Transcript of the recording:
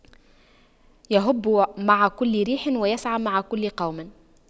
يَهُبُّ مع كل ريح ويسعى مع كل قوم